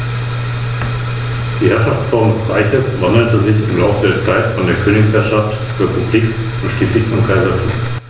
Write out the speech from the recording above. Das Fell der Igel ist meist in unauffälligen Braun- oder Grautönen gehalten.